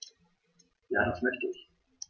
Ja, das möchte ich.